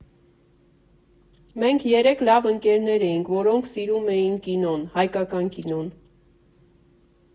Մենք երեք լավ ընկերներ էինք, որոնք սիրում էին կինոն, հայկական կինոն։